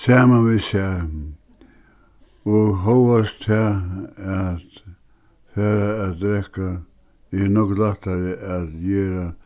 saman við sær og hóast tað at fara at drekka er nógv lættari at gera